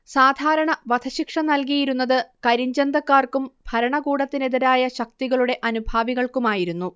സാധാരണ വധശിക്ഷ നൽകിയിരുന്നത് കരിഞ്ചന്തക്കാർക്കും ഭരണകൂടത്തിനെതിരായ ശക്തികളുടെ അനുഭാവികൾക്കുമായിരുന്നു